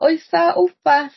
oes 'a wbath